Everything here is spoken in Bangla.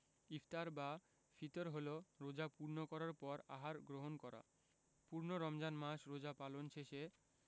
ইফতার বা ফিতর হলো রোজা পূর্ণ করার পর আহার গ্রহণ করা পূর্ণ রমজান মাস রোজা পালন শেষে